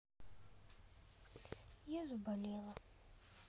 я заболела